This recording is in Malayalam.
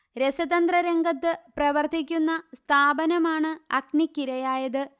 രസതന്ത്രരംഗത്ത് പ്രവർത്തിക്കുന്ന സ്ഥാപനമാണ് അഗ്നിക്കിരയായത്